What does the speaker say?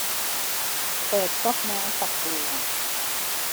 เปิดก๊อกน้ำฝักบัว